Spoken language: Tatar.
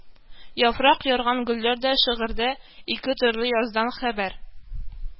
Яфрак ярган гөлләр дә шигырьдә ике төрле яздан хәбәр